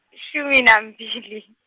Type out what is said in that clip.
ishumi nambili.